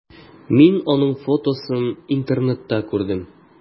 Мин аның фотосын интернетта күрдем.